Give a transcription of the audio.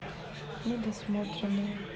недосмотренные